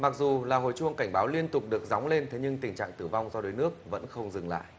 mặc dù là hồi chuông cảnh báo liên tục được gióng lên thế nhưng tình trạng tử vong do đuối nước vẫn không dừng lại